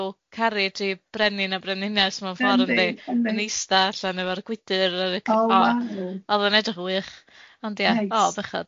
carij i brenin a brenhines mewn ffor yndi? Yndi yndi. Yn eista allan efo'r gwydyr a y c- o'dd o'n edrych yn wych ond ia, o bechod.